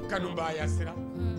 Kanubaaya sira Unhun